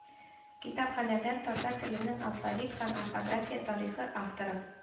Китапханәдән “Татар теленең алфавит һәм орфография тарихы” авторы